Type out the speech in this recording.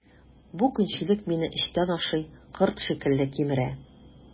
Бу көнчелек мине эчтән ашый, корт шикелле кимерә.